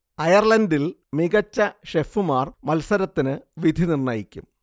അയർലണ്ടിൽ മികച്ച ഷെഫുമാർ മത്സരത്തിനു വിധി നിർണയിക്കും